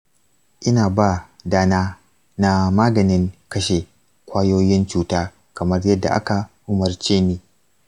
ina ba dana na maganin kashe kwayoyin cuta kamar yadda aka umarce ni.